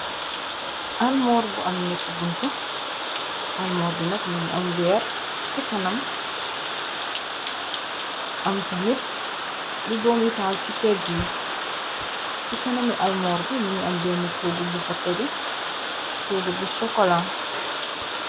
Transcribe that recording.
Allmoor bu am ñetti bunt almoor bi nag mu ngi am weer ci kanam am tamit lu doomitaal ci pegg yi ci kanami almoor bi mungi am bennu tugg bu fa tege tugg bu shokola.